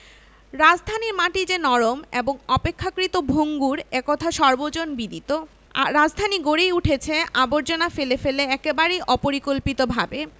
রাজধানীর মাটি যে নরম এবং অপেক্ষাকৃত ভঙ্গুর এ কথা সর্বজনবিদিত রাজধানী গড়েই উঠেছে আবর্জনা ফেলে ফেলে একেবারেই অপরিকল্পিতভাবে